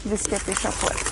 fisgedi siocled.